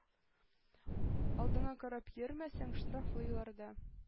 Алдыңа карап йөрмәсәң, штрафлыйлар да,